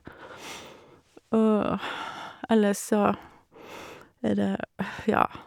Og ellers så er det, ja.